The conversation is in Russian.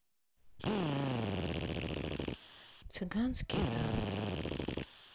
цыганские танцы